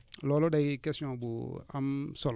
loolu day question bu am solo